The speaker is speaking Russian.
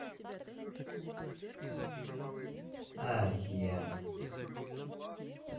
азия